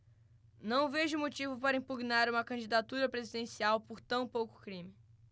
não vejo motivo para impugnar uma candidatura presidencial por tão pouco crime